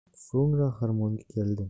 so'ngra xirmonga keldim